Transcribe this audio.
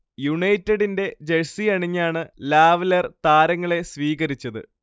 യുണൈറ്റഡിന്റെ ജഴ്സി അണിഞ്ഞാണ് ലാവ്ലെർ താരങ്ങളെ സ്വീകരിച്ചത്